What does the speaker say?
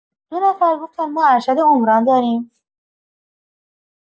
دو نفر گفتن ما ارشد عمران داریم.